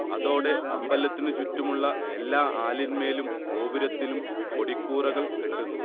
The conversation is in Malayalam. അതോടെ അമ്പലത്തിനു ചുറ്റുമുള്ള എല്ലാ ആലിന്മേലും ഗോപുരത്തിലും കൊടിക്കൂറകൾ കെട്ടുന്നു